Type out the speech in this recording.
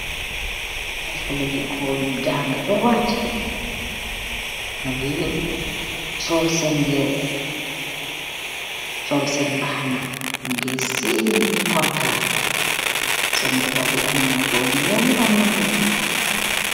Haleh yuu goor yuu sol gown di graduate.